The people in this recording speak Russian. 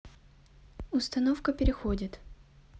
установка переходит